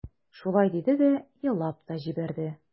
Шулай диде дә елап та җибәрде.